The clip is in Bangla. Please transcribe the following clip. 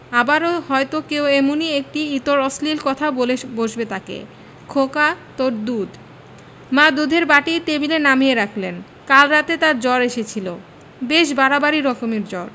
আবারো হয়তো কেউ এমনি একটি ইতর অশ্লীল কথা বলে বসবে তাকে খোকা তোর দুধ মা দুধের বাটি টেবিলে নামিয়ে রাখলেন কাল রাতে তার জ্বর এসেছিল বেশ বাড়াবাড়ি রকমের জ্বর